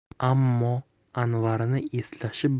ammo anvarni eslashi